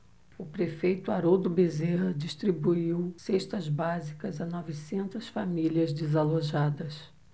o prefeito haroldo bezerra distribuiu cestas básicas a novecentas famílias desalojadas